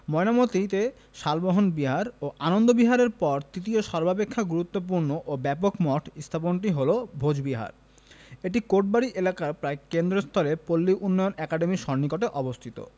ময়নামতীতে শালবন বিহার ও আনন্দ বিহারের পর তৃতীয় সর্বাপেক্ষা গুরুত্বপূর্ণ ও ব্যাপক মঠ স্থাপনাটি হলো ভোজবিহার এটি কোটবাড়ি এলাকার প্রায় কেন্দ্রস্থলে পল্লী উন্নয়ন একাডেমীর সন্নিকটে অবস্থিত